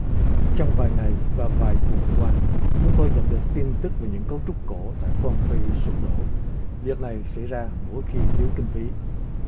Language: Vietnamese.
trong vài ngày và vài tuần qua chúng tôi nhận được tin tức về những cấu trúc cổ tại pom pây sụp đổ việc này xảy ra mỗi khi thiếu kinh phí